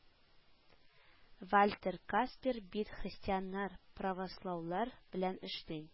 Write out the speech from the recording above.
“вальтер каспер бит христианнар, правослаулар белән эшли